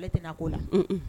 Ale tɛna ko la, unhun.